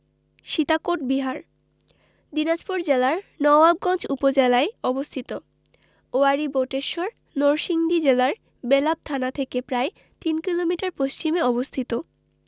সীতাকোট বিহার দিনাজপুর জেলার নওয়াবগঞ্জ উপজেলায় অবস্থিত ওয়ারী বটেশ্বর নরসিংদী জেলার বেলাব থানা থেকে প্রায় তিন কিলোমিটার পশ্চিমে অবস্থিত